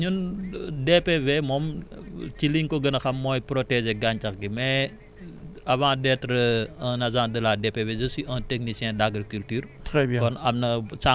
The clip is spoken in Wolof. waaw bon ñun DPV moom ci liñ ko gën a xam mooy protéger gàncax gi mais avant d' être un agent de la DPV je suis un technicien d' agriculture